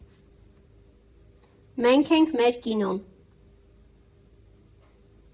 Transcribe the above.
Մենք ենք, մեր կինոն։